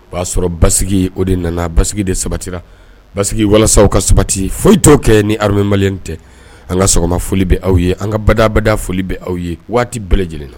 O y'a sɔrɔ basisigi o de nana basisigi de sabatira basi walasaw ka sabati foyi t' kɛ ni habuma tɛ an ka sɔgɔma foli bɛ aw ye an ka badabada foli bɛ aw ye waati bɛɛ lajɛlen na